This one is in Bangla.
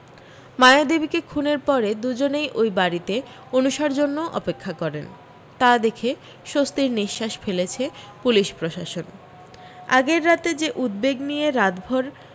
মায়াদেবীকে খুনের পরে দুজনেই ওই বাড়ীতে অনুষার জন্য অপেক্ষা করেন তা দেখে স্বস্তির নিশ্বাস ফেলেছে পুলিশ প্রশাসন আগের রাতে যে উদ্বেগ নিয়ে রাতভর